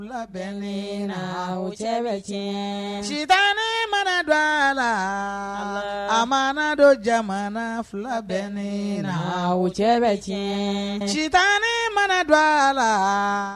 Fila bɛ ne wo cɛ bɛ tiɲɛ cita mana don a la a ma don jamana fila bɛ ne wo cɛ bɛ tiɲɛ cita mana don a la